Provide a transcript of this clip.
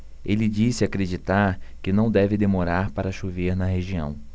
ele disse acreditar que não deve demorar para chover na região